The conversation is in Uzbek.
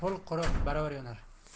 ho'l quruq baravar yonar